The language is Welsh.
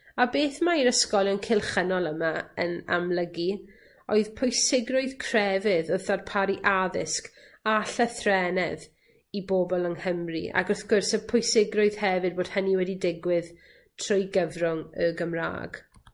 A beth mae'r ysgolion cylchynol yma yn amlygu oedd pwysigrwydd crefydd wrth ddarparu addysg a llythrennedd i bobol yng Nghymru ac wrth gwrs y pwysigrwydd hefyd bod hynny wedi digwydd trwy gyfrwng y Gymra'g.